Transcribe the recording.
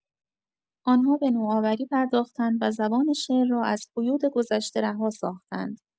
آن‌ها به نوآوری پرداختند و زبان شعر را از قیود گذشته رها ساختند.